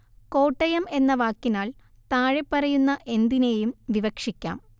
കോട്ടയം എന്ന വാക്കിനാൽ താഴെപ്പറയുന്ന എന്തിനേയും വിവക്ഷിക്കാം